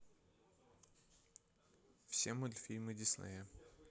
все мультфильмы диснея